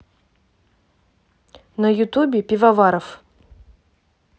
на ютубе пивоваров